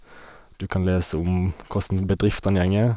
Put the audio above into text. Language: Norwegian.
Du kan lese om kossen bedriftene gjenge.